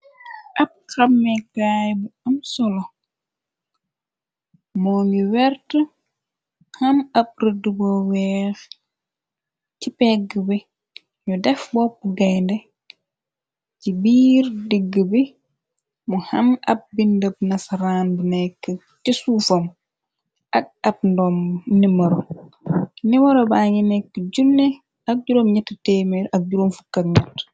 Ab tramme kaay bu am solo moo ngi wert. Am ab rëdd bo weex ci pegg bi ñu def bopp gaynde. Ci biir digg bi mu am ab bindnasarand nekk ci suufam. Ak at ndoo nmro nimero ba ngi nekk 1853.